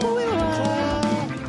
Hwyl rŵan. Tara.